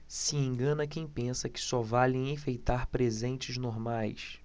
se engana quem pensa que só vale enfeitar presentes normais